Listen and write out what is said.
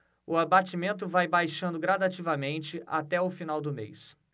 o abatimento vai baixando gradativamente até o final do mês